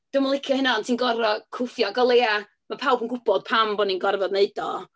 Dwi'm yn licio hynna, ond ti'n gorfod cwffio. Ac o leia ma' pawb yn gwybod pam bod ni'n gorfod wneud o.